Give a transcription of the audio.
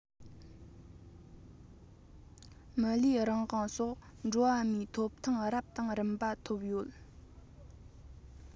མི ལུས རང དབང སོགས འགྲོ བ མིའི ཐོབ ཐང རབ དང རིམ པ ཐོབ ཡོད